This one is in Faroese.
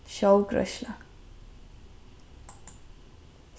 sjálvgreiðsla